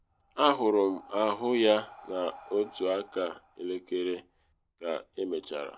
Ahụrụ ahụ ya n’otu aka elekere ka emechara.